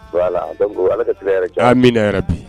An ala ka tile yɛrɛ min yɛrɛ bi